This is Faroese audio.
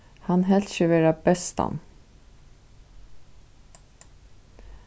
hann helt seg vera bestan